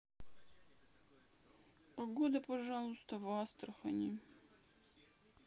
погода пожалуйста в астрахани